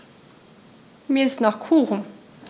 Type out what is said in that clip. Mir ist nach Kuchen.